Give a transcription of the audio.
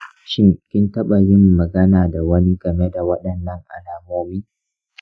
shin kin taɓa yin magana da wani game da waɗannan alamomin?